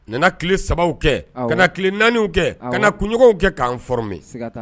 Nana ki sababuw kɛ kana tile naaniw kɛ kana kunɲɔgɔnw kɛ k'an foro mɛn